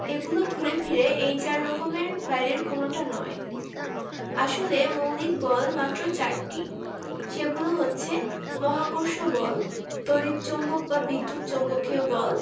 এগুলো ঘুরে ফিরে এই চার রকমের বাইরে কোনোটা নয় আসলে মৌলিক বল মাত্র চারটি সেগুলো হচ্ছে মহাকর্ষ বল তড়িৎ চৌম্বক বা বিদ্যুৎ চৌম্বকীয় বল